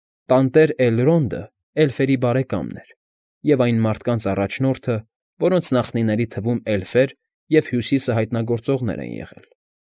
Տանտեր Էլրոնդը էլֆերի բարեկամն էր և այն մարդկանց առաջնորդը, որոնց նախնիների թվում էլֆեր և Հյուսիսը հայտնագործողներ են եղել։